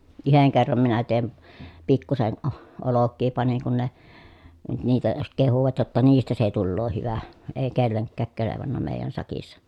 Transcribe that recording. yhden kerran minä tein pikkuisen - olkia panin kun ne nyt niitä sitten kehuivat jotta niistä se tulee hyvä ei kenellekään kelvannut meidän sakissa